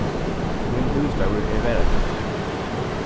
mín bústaður er varðagøta